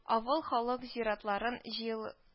Авыл халык зиратларын җыелы